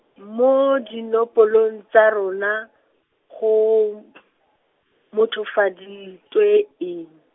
mo dinopolong tsa rona go , mothofaditswe eng?